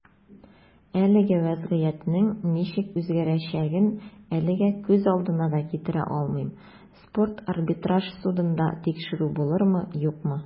Әлеге вәзгыятьнең ничек үзгәрәчәген әлегә күз алдына да китерә алмыйм - спорт арбитраж судында тикшерү булырмы, юкмы.